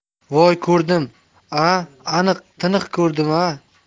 voy ko'rdim a aniq taniq ko'rdim a